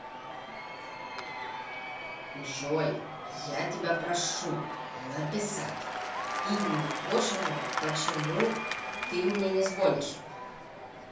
джой я тебя прошу написать и не кошелевой почему ты мне не звонишь